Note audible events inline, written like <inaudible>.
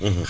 <hesitation> <hesitation>